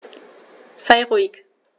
Sei ruhig.